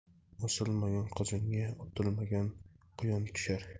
osilmagan qozonga otilmagan quyon tushar